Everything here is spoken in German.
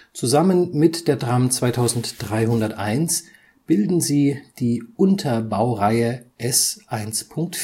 Zusammen mit der Tram 2301 bilden sie die Unterbaureihe S 1.4